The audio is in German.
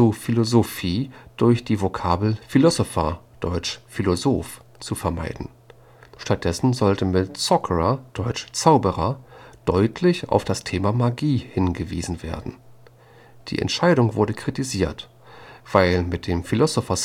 Philosophie durch die Vokabel “Philosopher” (deutsch: „ Philosoph “) zu vermeiden. Stattdessen sollte mit “Sorcerer” (deutsch: „ Zauberer “) deutlich auf das Thema Magie hingewiesen werden. Die Entscheidung wurde kritisiert, weil mit dem “Philosopher